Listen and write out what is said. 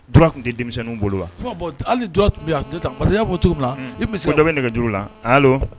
Du tun tɛ denmisɛnninw bolo wa bɔn ali tun bɛ masajan b' cogo i misi dɔ nɛgɛ juru la a y'